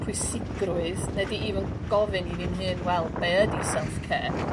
pwysigrwydd ne' 'di even gofyn i fi'n hun wel be ydi self care?